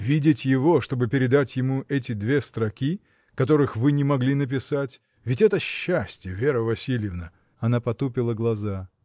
Видеть его — чтобы передать ему эти две строки, которых вы не могли написать: ведь это — счастье, Вера Васильевна! Она потупила глаза.